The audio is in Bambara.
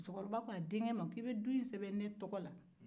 musokɔrɔba ko a denkɛ k'i bɛ du in sɛbɛn ne tɔgɔ la